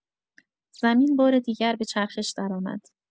زمین بار دیگر به چرخش درآمد!